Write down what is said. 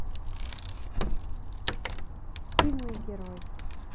ты мой герой